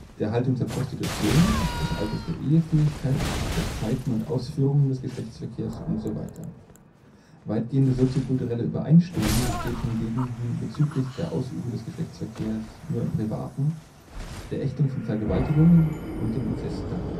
der Haltung zur Prostitution, des Alters der Ehefähigkeit, der Zeiten und Ausführungen des Geschlechtsverkehrs usw. Weitgehende soziokulturelle Übereinstimmung besteht hingegen bezüglich der Ausübung des Geschlechtsverkehrs nur im Privaten, der Ächtung von Vergewaltigungen und dem Inzesttabu